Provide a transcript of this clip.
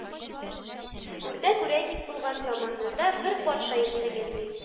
Үрдәк үрәтник булган заманнарда бер патша яшәгән, ди.